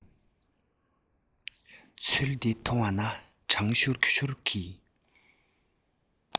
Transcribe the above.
ཚུལ འདི མཐོང བ ན གྲང ཤུར ཤུར གྱི